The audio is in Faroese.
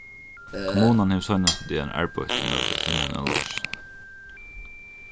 kommunan hevur seinastu dagarnar arbeitt ímóti at finna eina loysn